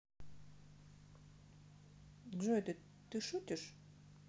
джой ты шутишь